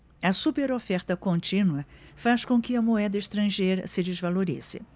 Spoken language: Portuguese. a superoferta contínua faz com que a moeda estrangeira se desvalorize